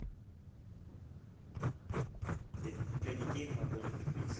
для детей два годика песня